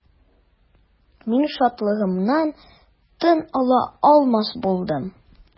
Мин шатлыгымнан тын ала алмас булдым.